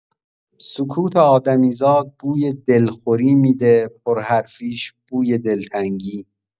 سکوت آدمیزاد بوی دلخوری می‌ده، پرحرفیش بوی دلتنگی!